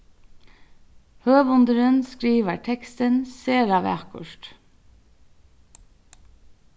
høvundurin skrivar tekstin sera vakurt